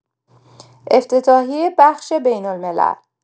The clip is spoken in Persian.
افتتاحیه بخش بین‌الملل